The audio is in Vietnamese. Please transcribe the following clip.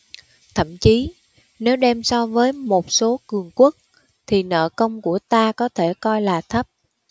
thậm chí nếu đem so với một số cường quốc thì nợ công của ta có thể coi là thấp